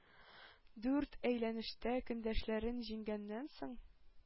Дүрт әйләнештә көндәшләрен җиңгәннән соң,